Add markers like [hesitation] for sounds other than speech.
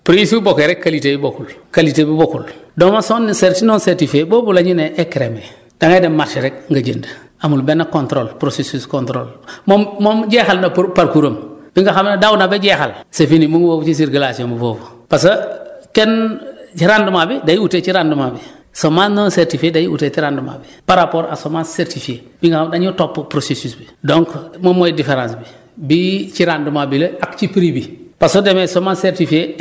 bon dèjà prix yi bokkul prix yi su bokkee rek qualités yi bokkul qualité bi bokkul donc non cert non certifiée boobu la ñuy ne écrémé da ngay dem marché rek nga jënd amul benn contrôle processus contrôle [breath] moom moom jeexal na par parcours am da nga xam ne daw na ba jeexal c' est fini mu ngi foofu si circulation bi foofu parce que kenn [hesitation] ci rendement bi day ute ci rendement bi [breath] semence non certifiée day ute ci rendement bi par rapport ak semence certifiée bi nga xam dañoo topp processus bi donc moom mooy différence bi bii ci rendement bi la ak ci prix bi